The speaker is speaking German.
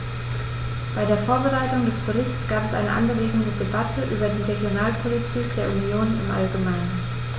Bei der Vorbereitung des Berichts gab es eine anregende Debatte über die Regionalpolitik der Union im allgemeinen.